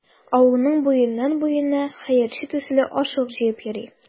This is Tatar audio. Авылның буеннан-буена хәерче төсле ашлык җыеп йөри.